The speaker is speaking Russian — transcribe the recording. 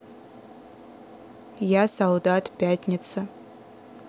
я солдат пятница